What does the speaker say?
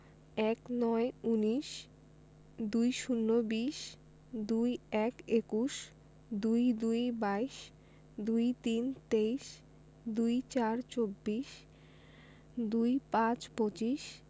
১৯ - উনিশ ২০ - বিশ ২১ – একুশ ২২ – বাইশ ২৩ – তেইশ ২৪ – চব্বিশ ২৫ – পঁচিশ